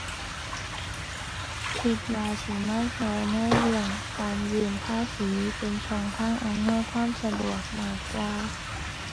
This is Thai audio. คิดว่าสิมาช่วยในเรื่องการยื่นภาษี เป็นช่องทางอำนวยความสะดวกมากกว่า